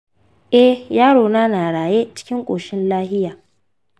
eh yarona na ra'ye cikin koshin lafiya.